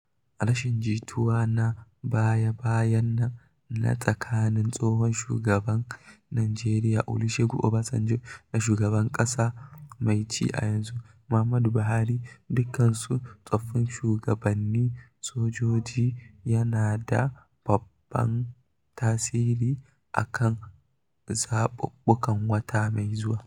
Rashin jituwa na baya-bayan nan na tsakanin tsohon shugaban Najeriya Olusegun Obasanjo da shugaban ƙasa mai ci a yanzu Muhammadu Buhari - dukkansu tsofaffin shugabannin sojoji - yana da babban tasiri a kan zaɓuɓɓukan wata mai zuwa.